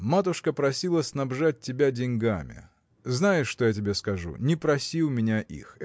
матушка просила снабжать тебя деньгами. Знаешь, что я тебе скажу не проси у меня их